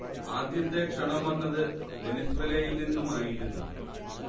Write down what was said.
ആദ്യത്തെ ക്ഷണം വന്നത് വെനിസ്വേലയിൽ നിന്നുമായിരുന്നു